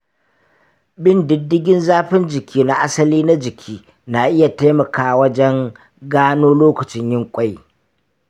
bin diddigin zafin jiki na asali na jiki na iya taimaka wajen gano lokacin yin ƙwai .